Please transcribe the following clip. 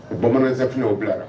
O bamanan ta tɛ na o bila la